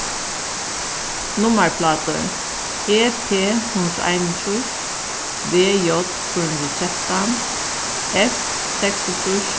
nummarplátur e p hundrað og einogtrýss v j fýra hundrað og trettan f seksogtrýss